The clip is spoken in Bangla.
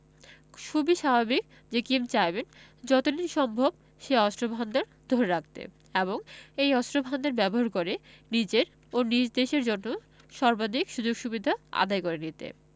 খুবই স্বাভাবিক যে কিম চাইবেন যত দিন সম্ভব সে অস্ত্রভান্ডার ধরে রাখতে এবং এই অস্ত্রভান্ডার ব্যবহার করে নিজের ও নিজ দেশের জন্য সর্বাধিক সুযোগ সুবিধা আদায় করে নিতে